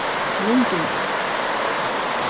rundingur